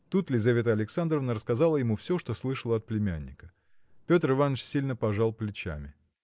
Тут Лизавета Александровна рассказала ему все что слышала от племянника. Петр Иваныч сильно пожал плечами.